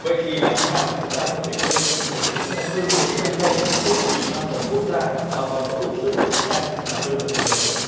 vậy thì làm thế nào để chúng ta có thể xây dựng được những thương hiệu trái cây không chỉ mang tầm quốc gia mà còn có đủ sức để cạnh tranh và vươn ra thế giới thưa ông